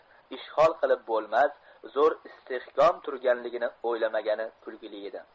ishg'ol qilib bo'lmas zo'r istehkom turganligini o'ylamagani kulgili edi